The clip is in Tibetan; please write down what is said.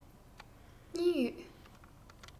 གཉིས ཡོད